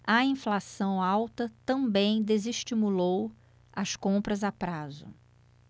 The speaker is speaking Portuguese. a inflação alta também desestimulou as compras a prazo